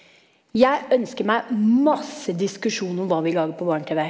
jeg ønsker meg masse diskusjon om hva vi lager på barne-tv.